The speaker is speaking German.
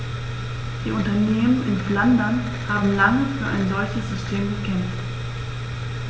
Die Unternehmen in Flandern haben lange für ein solches System gekämpft.